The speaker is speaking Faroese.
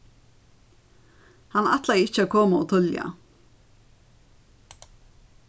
hann ætlaði ikki at koma ov tíðliga